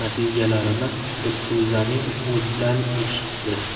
natijalarini dilfuzaning o'zidan eshitdi